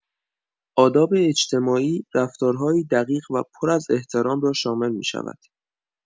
آداب اجتماعی رفتارهایی دقیق و پر از احترام را شامل می‌شود.